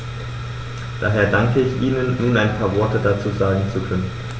Daher danke ich Ihnen, nun ein paar Worte dazu sagen zu können.